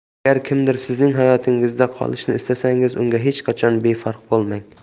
agar kimdir sizning hayotingizda qolishini istasangiz unga hech qachon befarq bo'lmang